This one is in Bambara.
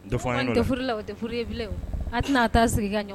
O tɛuru a tɛna'a taa sigi ka ɲɔgɔn